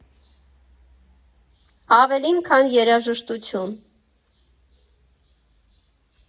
Ավելին, քան երաժշտություն։